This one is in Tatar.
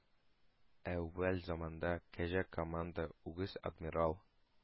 Әүвәл заманда, кәҗә команда, үгез адмирал,